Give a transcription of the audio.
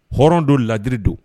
Hɔrɔn don, ladiri don.